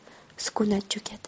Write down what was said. sukunat cho'kadi